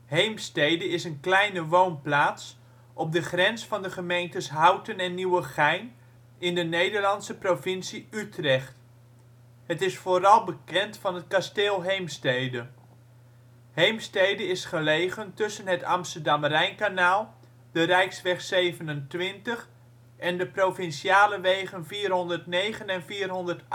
Heemstede is een kleine woonplaats, op de grens van de gemeentes Houten en Nieuwegein, in de Nederlandse provincie Utrecht. Het is vooral bekend van het Kasteel Heemstede. Heemstede is gelegen tussen het Amsterdam-Rijnkanaal, de rijksweg 27, en de provinciale wegen 409 en 408. De